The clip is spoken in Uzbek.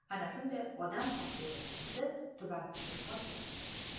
ana shunday odam taqdirining o'zi tubanlashib boraveradi